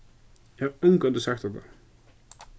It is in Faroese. eg havi ongantíð sagt hatta